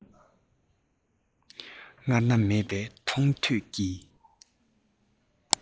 སྔར ན མེད པའི མཐོང ཐོས ཀྱི